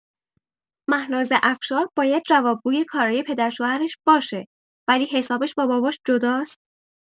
مهناز افشار باید جوابگوی کارای پدرشوهرش باشه ولی حسابش با باباش جداست؟